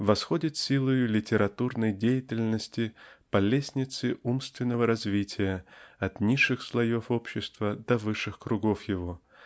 восходит силою литературной деятельности по лестнице умственного развития от низших слоев общества до высших кругов его